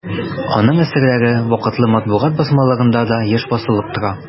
Аның әсәрләре вакытлы матбугат басмаларында да еш басылып тора.